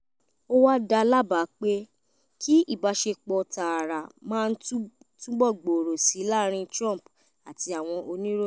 Ó wá dá lábàá pé kí ìbáṣepọ̀ tààrà máa túnbọ gbòòrò síi láàrin Trump àti àwọn oníròyìn.